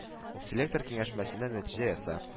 Селектор киңәшмәсендә нәтиҗә ясап